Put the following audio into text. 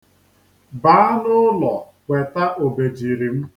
Baa n'ụlọ weta obejiri m.